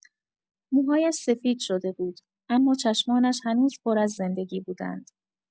موهایش سفید شده بود، اما چشمانش هنوز پر از زندگی بودند.